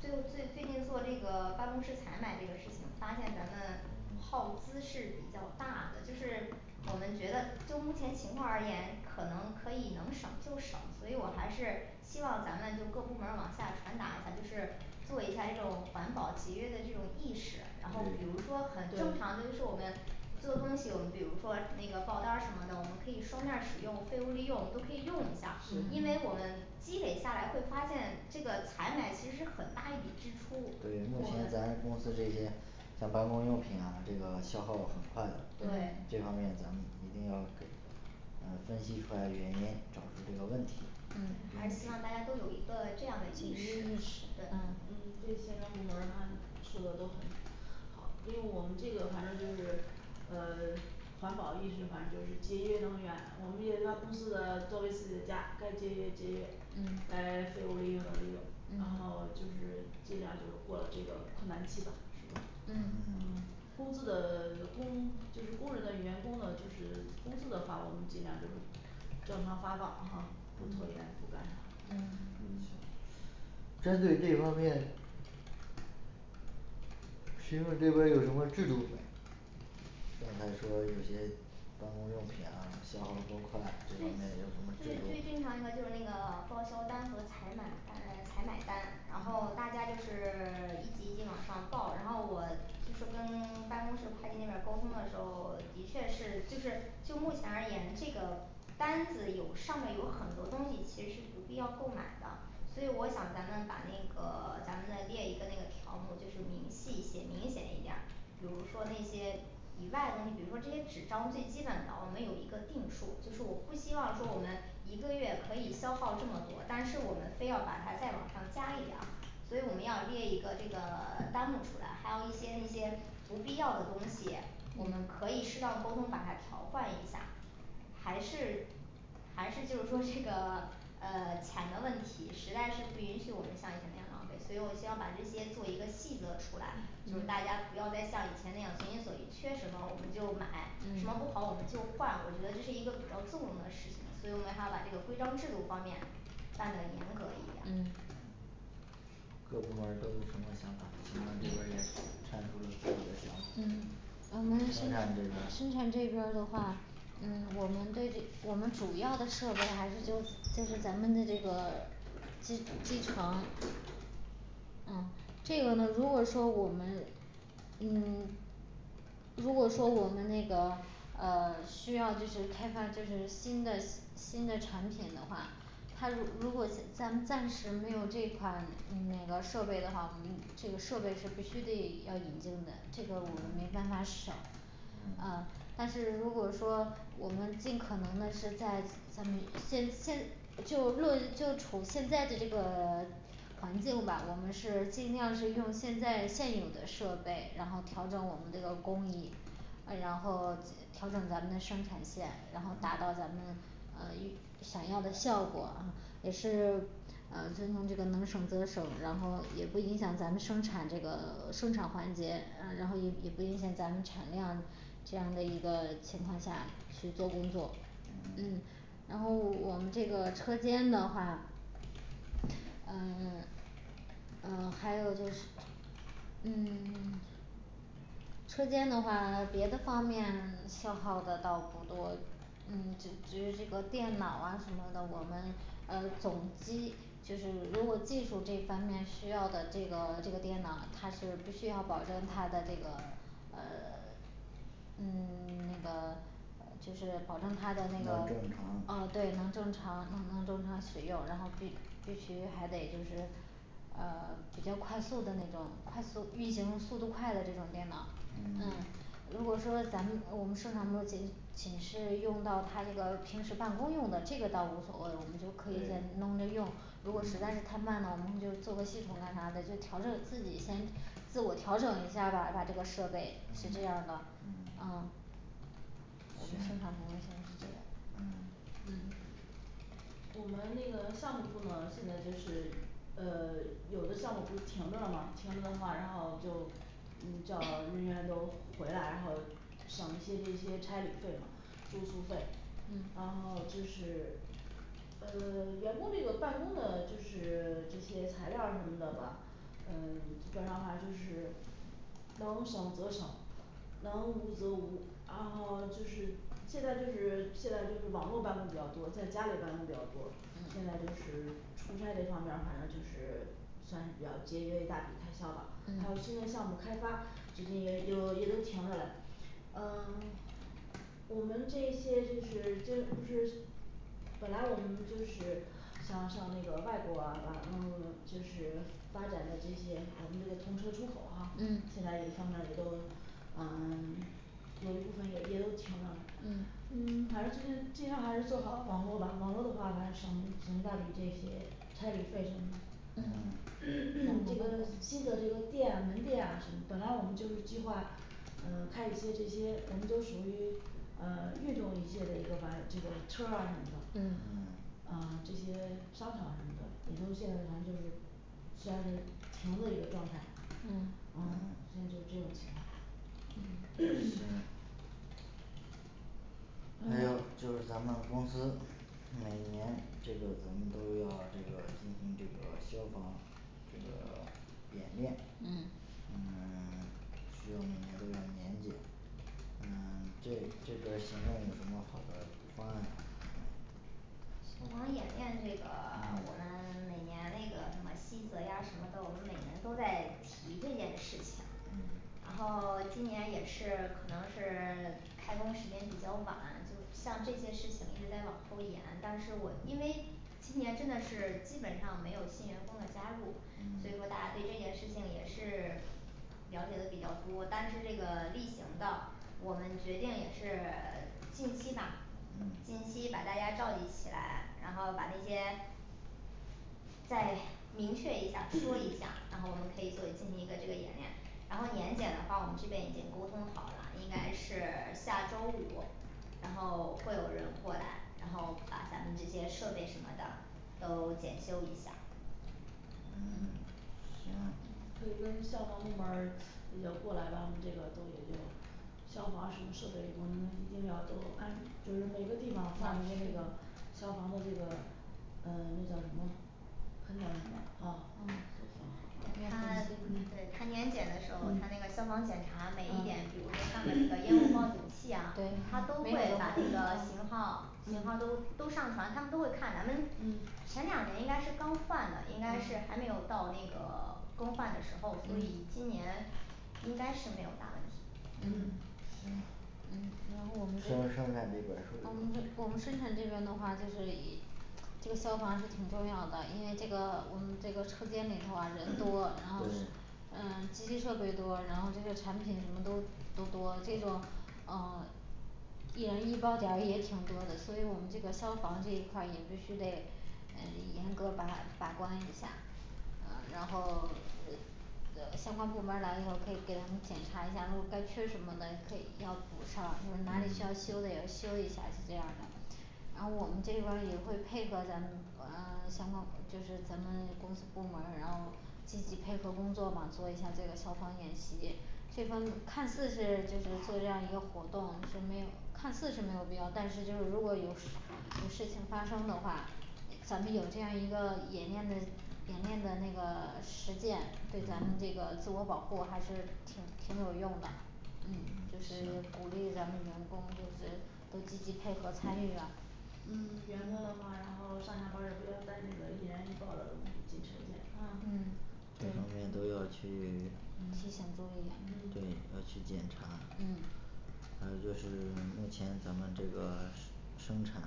最后最最近做这个办公室采买这个事情，发现咱们耗资是比较大的，就是我们觉得就目前情况而言可能可以能省就省，所以我还是希望咱们就各部门往下传达一下，就是做一下这种环保节约的这种意识如果说就目前而言影响了咱们工作的效率的话，我其实还是建议公司不要省对对这笔钱做东西，我们比如说那个报单儿什么的，我们可以双面儿使用，废物利用都可以用一下儿因是为我们积累下来会发现这个采买其实是很大一笔支出对目前咱我们公司这些像办公用品啊这个消耗很快的对这方面咱们一定要呃分析出来原因，找出这个问题嗯还是对希望大家都有一个这样的责意任意识识，对，嗯嗯对嗯嗯这行政部门儿他说的都很好因为我们这个反正就是呃 环保意识反正就是节约能源，我们也是把公司的作为自己的家，该节约节约嗯该废物利用的利用然嗯后就是尽量就是过了这个困难期吧是吧嗯嗯嗯工资的 工就是工人的员工的就是工资的话，我们尽量就是正常发放哈，不拖延不干啥嗯嗯行针对这方面行政这边儿有什么制度刚才说有些办公用品啊消耗这一块儿，最有什么制最最度最经常那个就是那个报销单和采买呃采买单，然后大家就是 一级一级往上报，然后我就是跟 办公室会计那边儿沟通的时候，的确是就是就目前而言这个单子有上面有很多东西其实不必要购买的所以我想咱们把那个 咱们再列一个那个条目就是明细写明显一点儿比如说那些以外的东西，比如说这些纸张最基本的我们有一个定数，就是我不希望说我们一个月可以消耗这么多，但是我们非要把它再往上加一点儿所以我们要列一个这个 单目出来，还有一些那些不必要的东西，&嗯&我们可以适当沟通把它调换一下还是还是就是说这个呃钱的问题，实在是不允许我们像以前那样浪费，所以我希望把这些做一个细则出来就是大家不要再像以前那样随心所欲，缺什么我们就买什么，嗯不好我们就换，我觉得这是一个比较纵容的的事情，所以我们还要把规章制度方面办的严格一点嗯儿各部门儿都有什么想法，这边也阐述下自己的想法嗯我们身生产 这边儿生产这边儿的话，嗯我们对这我们主要的设备还是就是就是咱们的这个机机床嗯这个呢如果说我们嗯 如果说我们那个 呃 需要就是开发就是新的新的产品的话，它如如果像暂时没有这款嗯那个设备的话，我们这个设备是必须得要引进的，这个我们没办法省啊嗯但是如果说我们尽可能的是在咱们现现就论就处现在的这个环境吧我们是，我们尽量是用现在现有的设备，然后调整我们这个工艺，呃然后调整咱们的生产线，然后达到咱们呃与想要的效果，也是呃遵从这个能省则省，然后也不影响咱们生产这个生产环节，呃然后也不影响咱们产量这样的一个情况下去做工作嗯嗯然后我我们这个车间的话，嗯 呃还有就是嗯 车间的话，别的方面消耗的倒不多，嗯只只是这个电脑啊什么的，我们呃总机就是如果技术这方面需要的这个这个电脑，它是必须要保证它的这个呃 嗯 这个就是保证它的那个啊能正对常能正常让他正常使用，然后可以必须还得就是呃比较快速的那种快速运行速度快的这种电脑嗯嗯如果说咱们我们生产不仅仅是用到他这个平时办公用的倒无所谓，我们就可以先弄对着用，如果实在是太慢了，我们就做个系统啥的，就调整自己先自我调整一下吧把这个设备是这样儿的嗯嗯嗯我们生产部门现在是嗯嗯我们那个项目部呢现在就是呃 有的项目不是停了的吗，停了的话然后就嗯叫人 员都回来，然后省一些这些差旅费嘛住宿费然嗯后就是呃 员工这个办公呢的就是这些材料儿什么的吧，呃基本上的话就是能省则省能无则无，然后就是现在就是现在就是网络办公比较多在家里办公比较多现在就是出差这方面儿反正就是算是比较节约一大笔开销吧还有新的项目开发，最近又又也都停着嘞。呃我们这些就是就不是本来我们就是想向那个外国网嗯就是发展的这些我们这个通车出口哈，嗯现在一方面也都嗯 有一部分也也都停着呢嗯嗯反正就是尽量还是做好网络吧，网络的话，反正省省一大笔这些差旅费什么的 这个新的这个店门店啊什么的，本来我们计划嗯开一些这些，我们都属于呃运动一些的这个玩这个车儿啊什么的嗯嗯呃这些商场什么的也都现在反正就是实在是停的一个状态嗯嗯现在就只有停行还有就嗯是咱们公司每年这个咱们都要这个进行这个消防这个演练嗯嗯 希望你们这边儿严谨嗯 这这个行政有什么好的方案吗消防演练这个 我嗯们 每年那个什么细则啊什么的，我们每年都在提这件事情然嗯后今年也是可能是开工时间比较晚，就像这些事情一直在往后延，但是我因为今年真的是基本上没有新员工的加入所以说大家嗯对这件事情也是了解的比较多，但是这个例行的我们决定也是 近期吧近嗯期把大家召集起来，然后把那些再明确一下儿说一下 儿然后我们可以做进行一个这个演练，然后年检的话我们这边已经沟通好了，应该是下周五然后会有人过来，然后把咱们这些设备什么的都检修一下。嗯行可以跟消防部门儿要过来把我们这个都也就消防什么设备，我们一定要都按就是每个地方放一个那个消防的这个呃那叫什么喷的什么啊，嗯嗯嗯嗯 嗯嗯嗯他对嗯他年检的时候，他那个嗯消防检查每一点，比嗯如说上面那个烟 雾报警 器啊对他都会把那个型号型号都嗯都上传，他们都会看咱们嗯前两年应该是刚换的，应该是还没有到那个 更换的时候所以今年应该是没有大问题嗯行然后我们生生产这边儿说我们这我们生产这边的话就是以这个消防是挺重要的，因为这个我们这个车间里头啊人多 ，然后是对嗯机器特别多然后这个产品什么都多这种嗯易燃易爆点儿也挺多的，所以我们这个消防这一块儿也必须得嗯严格把把关一下。呃然后呃呃相关部门儿来了以后可以给他们给检查一下，那我该缺什么的可以要补上，就是哪里需要修的也修一下这样的然后我们这边儿也会配合咱们呃 相关就是咱们公部门儿，然后积极配合工作嘛，做一下这个消防演习，这份看似就是做这样一个活动是没有看似是没有必要，但是如果有事有事情发生的话咱们有这样一个演练的演练的那个实践，对咱们这个自我保护还是挺挺有用的嗯就是鼓励咱们员工就是都积极配合参与啊嗯员工的话，然后上下班儿也不要带那个易燃易爆的东西进车间嗯嗯这两边都要去提醒作业对嗯要去检查嗯呃就是目前咱们这个是 生产